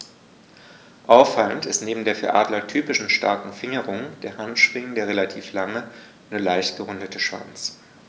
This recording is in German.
Auffallend ist neben der für Adler typischen starken Fingerung der Handschwingen der relativ lange, nur leicht gerundete Schwanz.